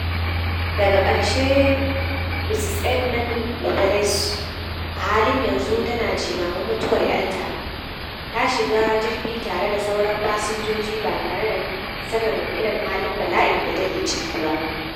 Daka karshe Mrs Ednan-Laperouse, a halin yanzu tana jimamin mutuwar ‘yar ta, ta shiga jirgin tare da sauran fasinjojin- ba tare da sanin irin halin bala’in da take ciki ba.